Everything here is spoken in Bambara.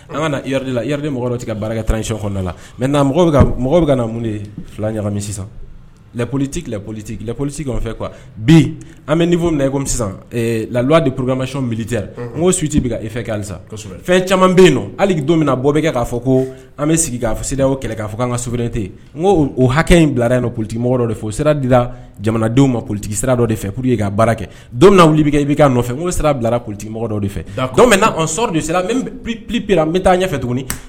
An baara mɛ mɔgɔ mun fila ɲaga lakɔolilikɔlikɔoli fɛ bi an bɛfɔ lalu de pma mili n' suti bɛ e fɛsa fɛn caman bɛ yen hali don min bɔ bɛ kɛ k'a fɔ ko an bɛ sigi k'a fɔ o kɛlɛ k'a fɔ an ka soɛrɛ ten n o hakɛ in bilara kulutigimɔgɔ dɔ de fo sera dira jamanadenw ma ptigi sira dɔ de fɛ pur ye k ka baara kɛ don' wuli bɛ i bɛ kaa nɔfɛ n sira bilara kulutigimɔgɔ dɔ de fɛ sɔ de serara an bɛ taa ɲɛfɛ tuguni